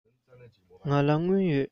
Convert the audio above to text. ང ལ དངུལ ཡོད